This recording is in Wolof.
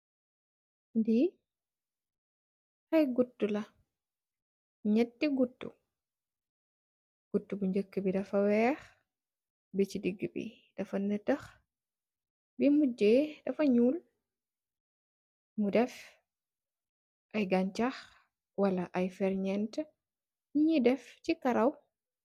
Li ay gutu la neeti gutu gotu bu ngeka bi dafa weex busi dega dafa neteah bu mogeh dafa nuul mu deff ay ganchah wala ay fenenti yonu def si karaw.